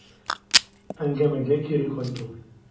Әңгәмәгә кире кайту.